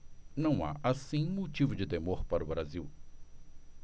não há assim motivo de temor para o brasil